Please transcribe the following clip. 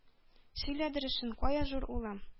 Сөйлә дөресен, кая зур улым?